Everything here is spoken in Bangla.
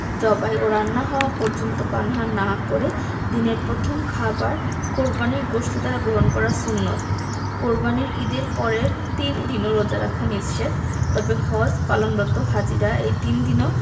জবাই ও রান্না হওয়া পর্যন্ত পানাহার না করে দিনের প্রথম খাবার কোরবানির গোশত দ্বারা গ্রহণ করা সুন্নাত কোরবানির ঈদের পরের তিন দিনও রোজা রাখা নিষেধ তবে হজ পালনরত হাজিরা এই তিন দিনও